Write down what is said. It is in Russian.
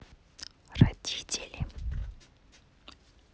родители